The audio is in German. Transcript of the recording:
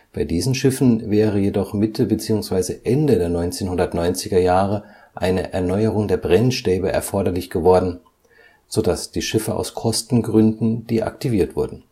Bei diesen Schiffen wäre jedoch Mitte/Ende der 1990er Jahre eine Erneuerung der Brennstäbe erforderlich geworden, so dass die Schiffe aus Kostengründen deaktiviert wurden